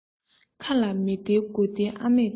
ཁ ལ མི སྟེར དགུ སྟེར ཨ མས སྟེར